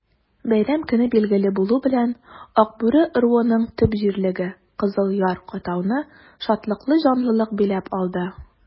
Бәйрәм көне билгеле булу белән, Акбүре ыруының төп җирлеге Кызыл Яр-катауны шатлыклы җанлылык биләп алды.